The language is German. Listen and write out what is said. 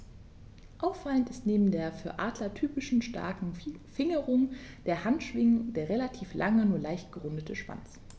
Auffallend ist neben der für Adler typischen starken Fingerung der Handschwingen der relativ lange, nur leicht gerundete Schwanz.